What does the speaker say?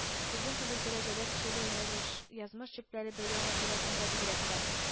Сезнең кебек дәрәҗәле кеше белән языш язмыш җепләре бәйләү мәсьәләсендә бигрәк тә